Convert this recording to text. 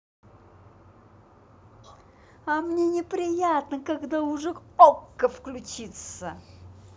а мне неприятно когда уже okko включится